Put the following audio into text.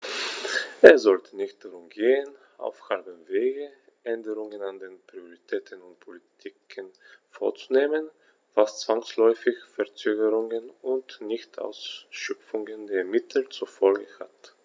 Es sollte nicht darum gehen, auf halbem Wege Änderungen an den Prioritäten und Politiken vorzunehmen, was zwangsläufig Verzögerungen und Nichtausschöpfung der Mittel zur Folge hat.